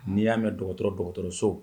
Ni ya mɛn dɔgɔtɔrɔ dɔgɔtɔrɔ so